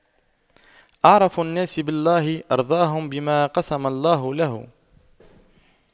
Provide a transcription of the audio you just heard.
أعرف الناس بالله أرضاهم بما قسم الله له